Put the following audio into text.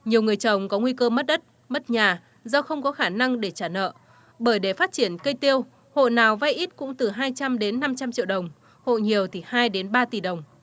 nhiều người trồng có nguy cơ mất đất mất nhà do không có khả năng để trả nợ bởi để phát triển cây tiêu hộ nào vay ít cũng từ hai trăm đến năm trăm triệu đồng hộ nhiều thì hai đến ba tỷ đồng